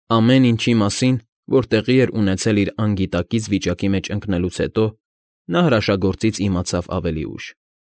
Ամեն ինչի մասին, որ տեղի էր ունեցել իր անգիտակից վիճակի մեջ ընկնելուց հետո, նա հրաշագործից իմացավ ավելի ուշ։